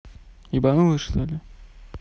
ебнулась что ли